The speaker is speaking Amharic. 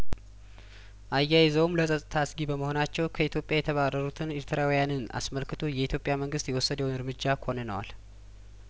አያይዘውም ለጸጥታ አስጊ በመሆ ናቸው ከኢትዮጵያ የተባረሩትን ኤርትራውያንን አስመልክቶ የኢትዮጵያ መንግስት የወሰደውን እርምጃ ኮንነዋል